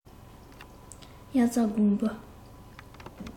དབྱར རྩྭ དགུན འབུ